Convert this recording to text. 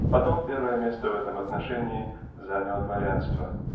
потом первое место в этом отношении заняло дворянство.